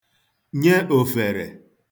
nye òfèrè